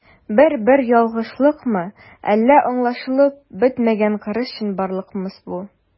Бер-бер ялгышлыкмы, әллә аңлашылып бетмәгән кырыс чынбарлыкмы бу?